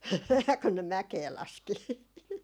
kun ne mäkeä laski